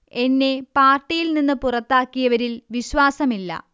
എന്നെ പാർട്ടിയിൽ നിന്ന് പുറത്താക്കിയവരിൽ വിശ്വാസമില്ല